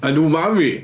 And umami!